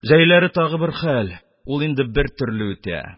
Җәйләре тагы бер хәл, ул инде бер төрле үтә